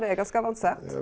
det er ganske avansert.